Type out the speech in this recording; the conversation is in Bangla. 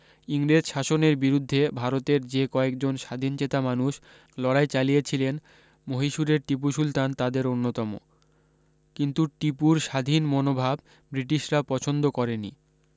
ইংরেজ শাসনের বিরুদ্ধে ভারতের যে কয়েক জন স্বাধীনচেতা মানুষ লড়াই চালিয়ে ছিলেন মহীশূরের টিপু সুলতান তাদের অন্যতম কিন্তু টিপুর স্বাধীন মনোভাব ব্রিটিশরা পছন্দ করেনি